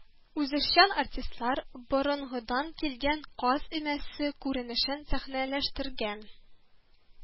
Үзешчән артистлар борынгыдан килгән Каз өмәсе күренешен сәхнәләштергән